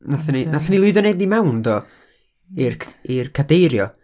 Wnaethon ni, wnaethon ni lwyddo i wneud i mewn, do, i'r c- i'r cadeirio...